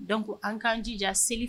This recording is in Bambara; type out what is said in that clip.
Dɔnku ko an k'an jija seli